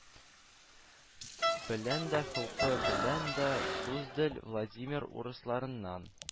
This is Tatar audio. Белән дә, холкы белән дә суздаль, владимир урысларыннан